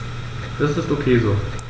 Das ist ok so.